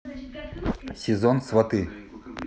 сезон сваты